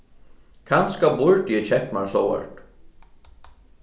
kanska burdi eg keypt mær sovorðið